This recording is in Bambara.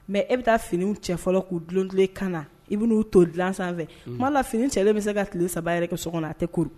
Mɛ e bɛ taa finiini cɛ fɔlɔ'u duti kan na i n'u to dilan sanfɛ k kuma la fini cɛ bɛ se ka tile saba yɛrɛ kɛ so kɔnɔ a tɛ kuru